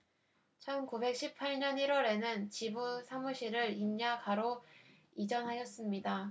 천 구백 칠십 팔 년 일 월에는 지부 사무실을 인야 가로 이전하였습니다